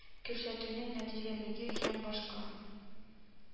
Күрсәтүнең нәтиҗәлелеге һәм башка